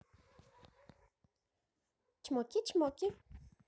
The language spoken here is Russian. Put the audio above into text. чмоки чмоки